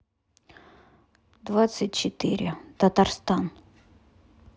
двадцать четыре татарстан